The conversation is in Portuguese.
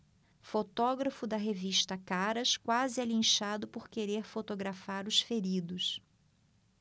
fotógrafo da revista caras quase é linchado por querer fotografar os feridos